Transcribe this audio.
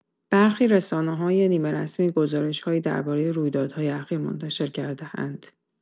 برخی رسانه‌های نیمه‌رسمی گزارش‌هایی درباره رویدادهای اخیر منتشر کرده‌اند.